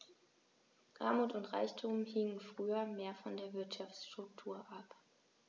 Armut und Reichtum hingen früher mehr von der Wirtschaftsstruktur ab.